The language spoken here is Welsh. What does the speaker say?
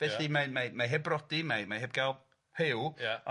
felly mae mae mae heb brodi mae mae heb gael rhyw... Ia...